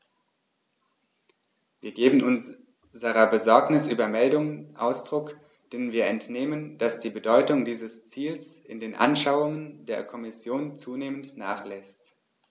Wir geben unserer Besorgnis über Meldungen Ausdruck, denen wir entnehmen, dass die Bedeutung dieses Ziels in den Anschauungen der Kommission zunehmend nachlässt.